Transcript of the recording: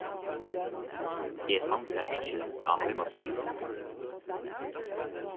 eg fann tað ikki á heimasíðuni